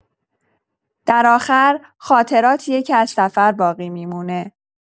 در آخر، خاطراتیه که از سفر باقی می‌مونه.